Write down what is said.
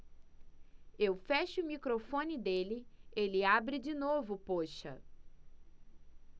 eu fecho o microfone dele ele abre de novo poxa